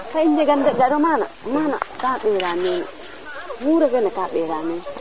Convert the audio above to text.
ankay ka i njegan de ga iro maana maana ka ɓera ka ɓera mu refna ka ɓara ma